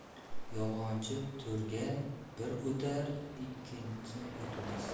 yolg'onchi to'rga bir o'tar ikkinchi o'tmas